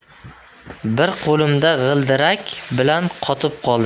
bir qo'limda g'ildirak bilan qotib qoldim